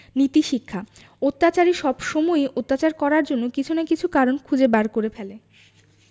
নীতিশিক্ষাঃ অত্যাচারী সবসময়ই অত্যাচার করার জন্য কিছু না কিছু কারণ খুঁজে বার করে ফেলে